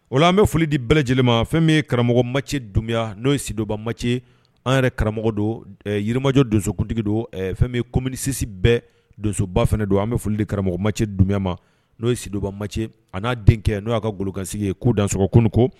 O an bɛ foli di bɛɛ lajɛlen ma fɛn ye karamɔgɔmacɛ dunbi n' ye sidonbamacɛ an yɛrɛ karamɔgɔ don yirimajɔ donsokuntigi don fɛn bɛ comsisi bɛɛ donsoba fana don an bɛ foli karamɔgɔmacɛ dunya ma n'o ye sidubamacɛ a n'a denkɛ n'o'a ka golokansigi ye ko dan s kunun ko